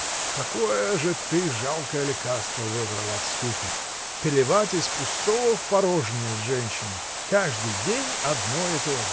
— Какое же ты жалкое лекарство выбрал от скуки — переливать из пустого в порожнее с женщиной: каждый день одно и то же!